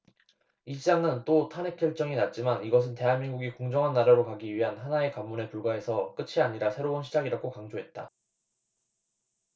이 시장은 또 탄핵 결정이 났지만 이것은 대한민국이 공정한 나라로 가기 위한 하나의 관문에 불과해서 끝이 아니라 새로운 시작이라고 강조했다